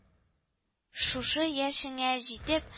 Шушы яшеңә җитеп